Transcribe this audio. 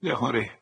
Diolch Mari.